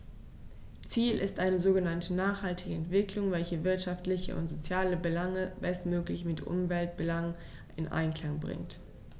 Ziel ist eine sogenannte nachhaltige Entwicklung, welche wirtschaftliche und soziale Belange bestmöglich mit Umweltbelangen in Einklang bringt.